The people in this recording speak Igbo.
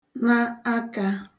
na akā